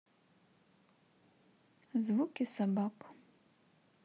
звуки собак